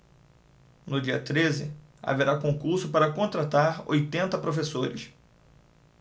no dia treze haverá concurso para contratar oitenta professores